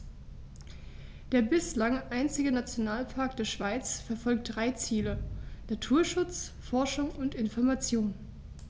Der bislang einzige Nationalpark der Schweiz verfolgt drei Ziele: Naturschutz, Forschung und Information.